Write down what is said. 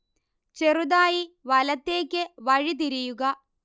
ചെറുതായി വലതേക്ക് വഴിതിരിയുക